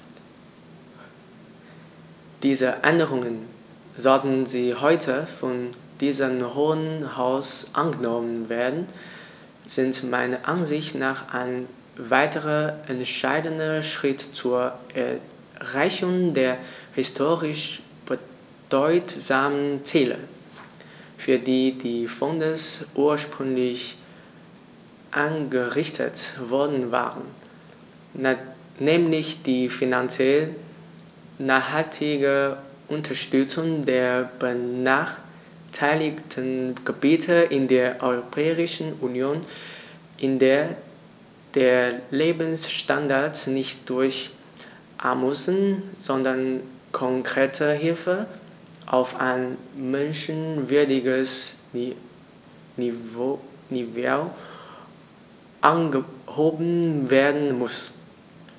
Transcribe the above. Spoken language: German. Diese Änderungen, sollten sie heute von diesem Hohen Haus angenommen werden, sind meiner Ansicht nach ein weiterer entscheidender Schritt zur Erreichung der historisch bedeutsamen Ziele, für die die Fonds ursprünglich eingerichtet worden waren, nämlich die finanziell nachhaltige Unterstützung der benachteiligten Gebiete in der Europäischen Union, in der der Lebensstandard nicht durch Almosen, sondern konkrete Hilfe auf ein menschenwürdiges Niveau angehoben werden muss.